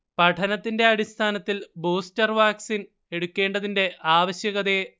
പഠനത്തിന്റെ അടിസ്ഥാനത്തിൽ booster vaccine എടുക്കേണ്ടതിന്റെ ആവശ്യകതയെ